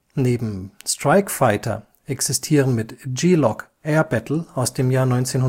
Neben Strike Fighter existieren mit G-Loc - Air Battle (1990